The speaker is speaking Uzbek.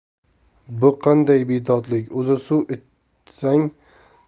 bu qanday bedodlik o'zi suv